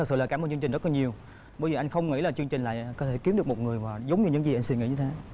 sự là cảm ơn chương trình rất là nhiều bởi vì anh không nghĩ là chương trình này có thể kiếm được một người mà giống như những gì anh suy nghĩ như thế